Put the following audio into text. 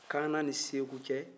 kaana ni segu cɛ